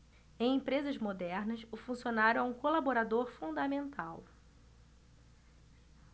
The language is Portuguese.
em empresas modernas o funcionário é um colaborador fundamental